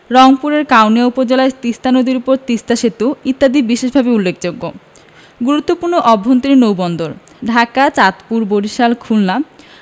রংপুরের কাউনিয়া উপজেলায় তিস্তা নদীর উপর তিস্তা সেতু ইত্যাদি বিশেষভাবে উল্লেখযোগ্য গুরুত্বপূর্ণ অভ্যন্তরীণ নৌবন্দরঃ ঢাকা চাঁদপুর বরিশাল খুলনা